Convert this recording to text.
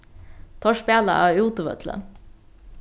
teir spæla á útivølli